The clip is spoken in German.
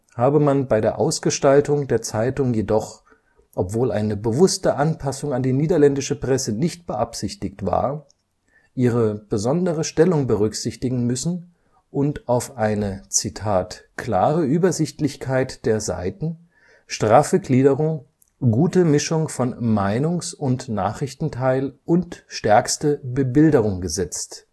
habe man bei der Ausgestaltung der Zeitung jedoch, obwohl eine bewusste Anpassung an die niederländische Presse nicht beabsichtigt war, ihre besondere Stellung berücksichtigen müssen und auf eine „ klare Übersichtlichkeit der Seiten, straffe Gliederung, gute Mischung von Meinungs - und Nachrichtenteil [und] stärkste Bebilderung “gesetzt